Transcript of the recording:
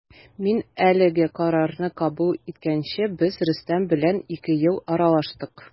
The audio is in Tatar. Мин әлеге карарны кабул иткәнче без Рөстәм белән ике ел аралаштык.